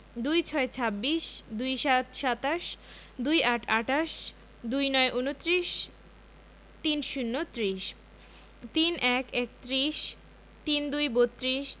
২৬ – ছাব্বিশ ২৭ – সাতাশ ২৮ - আটাশ ২৯ -ঊনত্রিশ ৩০ - ত্রিশ ৩১ - একত্রিশ ৩২ - বত্ৰিশ